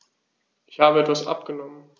Ich habe etwas abgenommen.